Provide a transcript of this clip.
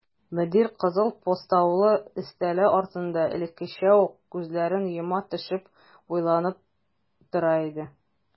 Мөдир кызыл постаулы өстәле артында элеккечә үк күзләрен йома төшеп уйланып утыра иде.